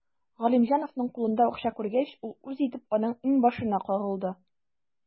Галимҗановның кулында акча күргәч, ул үз итеп аның иңбашына кагылды.